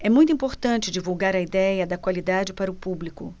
é muito importante divulgar a idéia da qualidade para o público